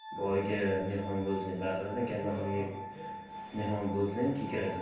boyga mehmon bo'lsang baqirasan kambag'alga mehmon bo'lsang kekirasan